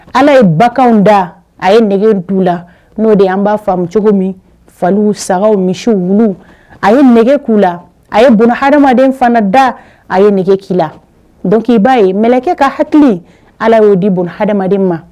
Ala ye bagan da a ye nɛgɛ du la n'o de y' b'a faamu cogo min fa saga misiw a ye nɛgɛ k'u la a ye bon hadamaden fana da a ye nɛgɛ k la dɔnkuc k''a ye mkɛ ka hakili ala y'o di bon hadamaden ma